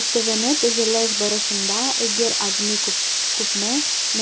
Өстәвенә, төзелеш барышында - әгәр азмы-күпме